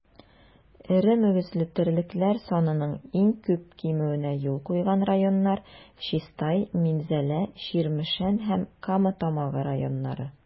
Эре мөгезле терлекләр санының иң күп кимүенә юл куйган районнар - Чистай, Минзәлә, Чирмешән һәм Кама Тамагы районнары.